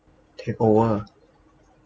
เทคโอเวอร์